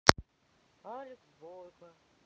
алекс бойко